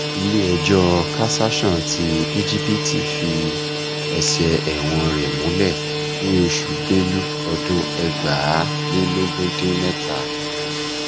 Ilé ẹjọ́ Cassation ti Íjípìtì fi ẹsẹ ẹ̀wọ̀n-ọn rẹ̀ múlẹ̀ nínú oṣù Belu ọdún 2017.